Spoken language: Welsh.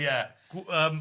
Ia gw- yym...